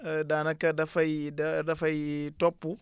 daanaka dafay da dafay topp